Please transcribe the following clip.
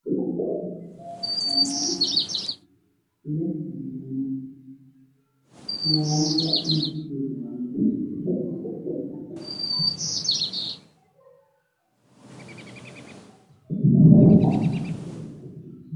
Waa fanaanad io buumo funaanada midabkedo waa madow buumaheeduna waa cadeys